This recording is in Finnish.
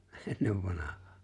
ennen vanhaan